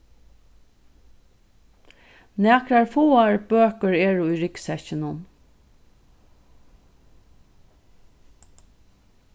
nakrar fáar bøkur eru í ryggsekkinum